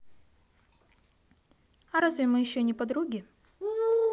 а разве мы еще не подруги